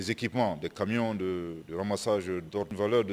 Ki kami donmasaz